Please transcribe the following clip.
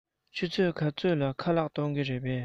ཕྱི དྲོ ཆུ ཚོད ག ཚོད ལ ཁ ལག གཏོང གི རེད པས